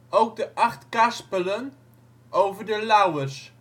ook de Achtkarspelen over de Lauwers